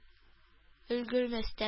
Өлгермәстән